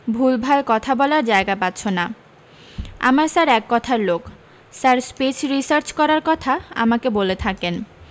ভুলভাল কথা বলার জায়গা পাচ্ছো না আমার স্যার এক কথার লোক স্যার স্পীচ রিসার্চ করার কথা আমাকে বলে থাকেন